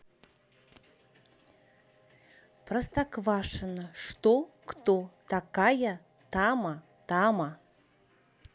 простоквашино что кто такая тама тама